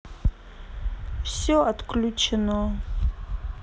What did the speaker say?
все отключено